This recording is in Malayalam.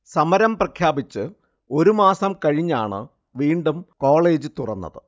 സമരം പ്രഖ്യാപിച്ച് ഒരു മാസം കഴിഞ്ഞാണു വീണ്ടും കോളേജ് തുറന്നത്